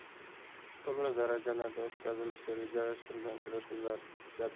turli darajalarda o'tkazilishi rejalashtirilgan uchrashuvlar jadvali